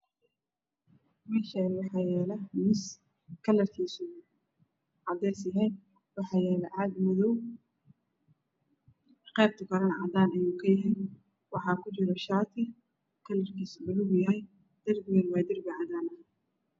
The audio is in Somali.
Meshana xawayalo miis kalarkis cades yahay waxayalo caag madow kebta kore cadan ayow kayahay waxa kujiro shati kalakis madow yahay darbigan waa dirbi cadan ah